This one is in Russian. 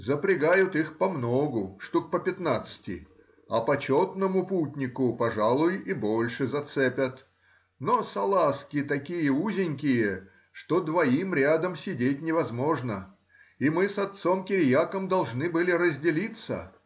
Запрягают их помногу, штук по пятнадцати, а почетному путнику, пожалуй, и больше зацепят, но салазки такие узенькие, что двоим рядом сидеть невозможно, и мы с отцом Кириаком должны были разделиться